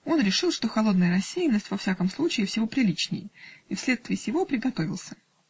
Он решил, что холодная рассеянность во всяком случае всего приличнее и вследствие сего приготовился.